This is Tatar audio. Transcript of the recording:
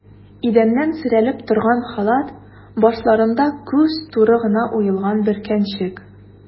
Идәннән сөйрәлеп торган халат, башларында күз туры гына уелган бөркәнчек.